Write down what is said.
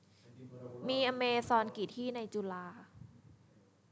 มีอเมซอนกี่ที่ในจุฬา